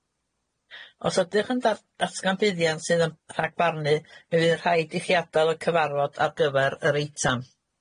Os ydych yn dar- datgan buddiant sydd yn rhagfarnu, mi fydd rhaid i chi adal y cyfarfod ar gyfer yr eitam.